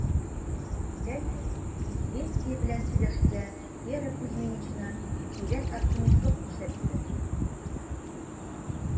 Ләкин "Известия" белән сөйләшүдә Вера Кузьминична сирәк оптимистлык күрсәтте: